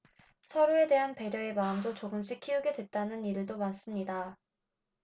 서로에 대한 배려의 마음도 조금씩 키우게 됐다는 이들도 많습니다